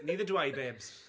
Neither do I, babes.